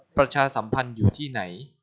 ประชาสัมพันธ์อยู่ที่ไหน